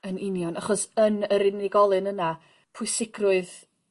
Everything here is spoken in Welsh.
Yn union achos yn yr unigolyn yna pwysigrwydd